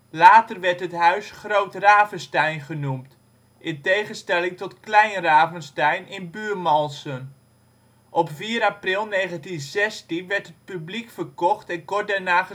Later werd het huis " Groot Ravenstein " genoemd, in tegenstelling tot " Klein Ravenstein " in Buurmalsen. Op 4 april 1916 werd het publiek verkocht en kort daarna gesloopt